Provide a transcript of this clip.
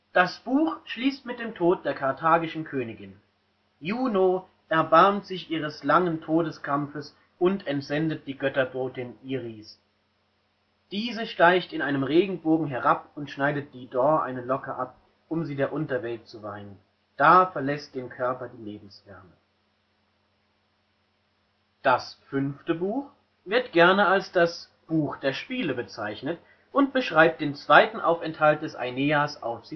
Das Buch schließt mit dem Tod der karthagischen Königin: Juno erbarmt sich ihres langen Todeskampfes und entsendet die Götterbotin Iris. Diese steigt in einem Regenbogen herab und schneidet Dido eine Locke ab, um sie der Unterwelt zu weihen. Da verlässt den Körper die Lebenswärme. Das 5. Buch wird gerne als das „ Buch der Spiele “bezeichnet und beschreibt den zweiten Aufenthalt des Aeneas auf